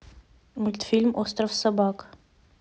мультфильм остров собак